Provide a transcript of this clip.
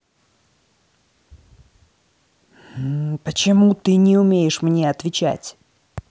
почему ты не умеешь мне отвечать